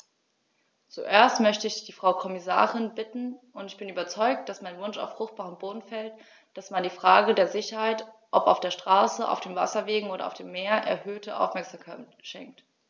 Zuerst möchte ich die Frau Kommissarin bitten - und ich bin überzeugt, dass mein Wunsch auf fruchtbaren Boden fällt -, dass man der Frage der Sicherheit, ob auf der Straße, auf den Wasserwegen oder auf dem Meer, erhöhte Aufmerksamkeit schenkt.